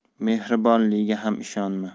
mehribonligiga ham ishonma